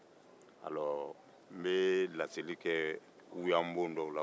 n bɛ laseli kɛ wuyanbon dɔw la